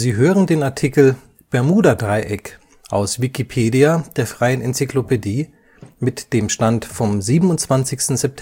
hören den Artikel Bermudadreieck, aus Wikipedia, der freien Enzyklopädie. Mit dem Stand vom Der